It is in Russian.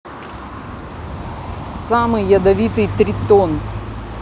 самый ядовитый тритон